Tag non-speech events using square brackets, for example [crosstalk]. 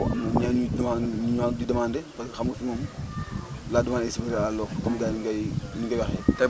waaw am na ñeneen ñu demandé ñu ñëwaat di demandé parce que xam nga fii moom [noise] la demande est supérieure à l' offre comme gars yi ni ñu koy ni ñu koy waxee